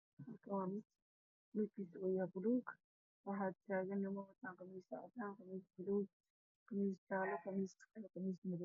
Waa niman fara badan oo saf ku jiraan oo tukanayaan roga dhulka waa buluug